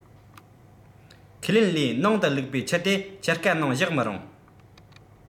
ཁས ལེན ལས ནང དུ བླུག པའི ཆུ དེ ཆུ རྐ ནང བཞག མི རུང